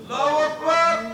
H ko